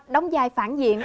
đóng vai phản diện